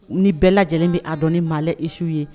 Ni bɛɛ lajɛlen bɛ'a dɔn ni Malle Isuf ye